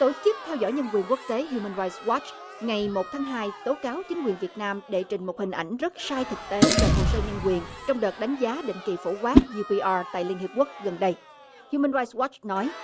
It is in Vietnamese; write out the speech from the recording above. tổ chức theo dõi nhân quyền quốc tế hiu mần rai oắt ngày một tháng hai tố cáo chính quyền việt nam đệ trình một hình ảnh rất sai thực tế và hồ sơ nhân quyền trong đợt đánh giá định kỳ phổ quát diu pi a tại liên hiệp quốc gần đây hiu mần rai oắt nói